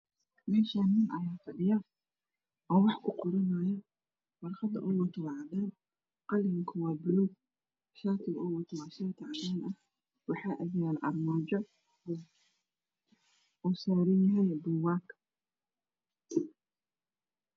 Meshan nin aya fadhiyo oo wax kuqorayo warqada waa cadan qalinka waa baluug shatiga oow wato waa cadan waxaa agyalo armaajo oo saran bugag